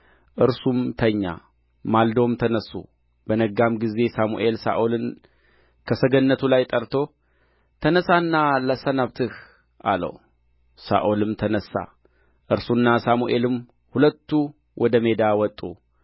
እርሱም ተኛ ማልዶም ተነሡ በነጋም ጊዜ ሳሙኤል ሳኦልን ከሰገነቱ ላይ ጠርቶ ተነሣና ላሰናብትህ አለው ሳኦልም ተነሣ እርሱና ሳሙኤልም ሁለቱ ወደ ሜዳ ወጡ